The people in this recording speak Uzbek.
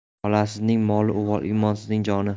bolasizning moli uvol imonsizning joni